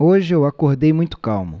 hoje eu acordei muito calmo